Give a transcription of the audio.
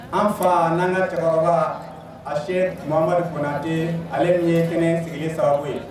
An fa n'an ka cɛkɔrɔba ase mamari kunnanadi ale min ye hinɛ sigi sababu ye